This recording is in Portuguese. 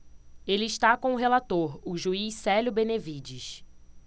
ele está com o relator o juiz célio benevides